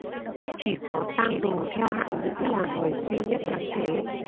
chỉ có tang đồ theo hạng vũ là người duy nhất thắng thế